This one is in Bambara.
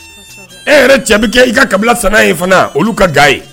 Kɔsɛbɛ e yɛrɛ cɛ be kɛ i ka kabila sana ye fana olu ka ga ye